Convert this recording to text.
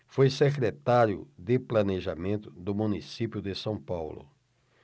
foi secretário de planejamento do município de são paulo